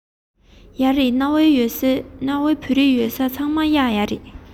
ཡོད རེད གནའ བོའི བོད རིགས ཡོད ས ཚང མར གཡག ཡོད རེད